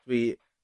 Fi